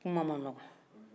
kuma ma nɔgɔn